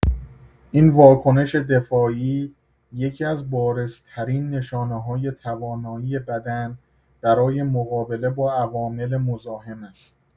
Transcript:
این واکنش دفاعی یکی‌از بارزترین نشانه‌های توانایی بدن برای مقابله با عوامل مزاحم است.